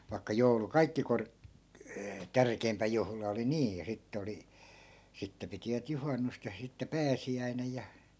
vaikka joulu kaikkein - tärkein juhla oli niin ja sitten oli sitten pitivät juhannusta ja sitten pääsiäinen ja